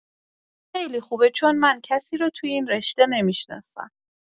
خیلی خوبه، چون من کسی رو توی این رشته نمی‌شناسم.